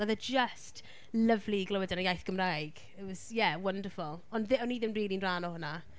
Oedd e jyst, lyfli i glywed yn y iaith Gymraeg. It was, ie, wonderful. Ond dd- o'n i ddim rili'n rhan o hwnna.